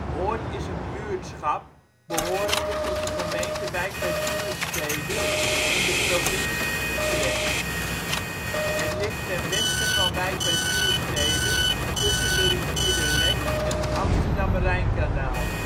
Oord is een buurtschap behorende tot de gemeente Wijk bij Duurstede in de provincie Utrecht. Het ligt ten westen van Wijk bij Duurstede tussen de rivier de Lek en het Amsterdam-Rijnkanaal